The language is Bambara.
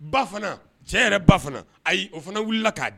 Ba fana, cɛ yɛrɛ ba fana, ayi, o fana wulila k'a da